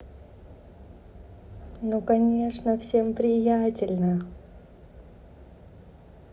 ну конечно всем приятельно